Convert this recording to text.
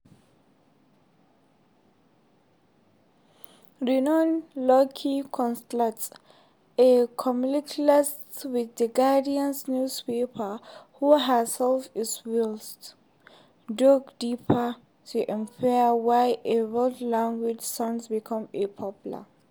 Rhiannon Lucy Cosslett, a columnist with the Guardian newspaper who herself is Welsh, dug deeper to inquire why a Welsh language song became so popular.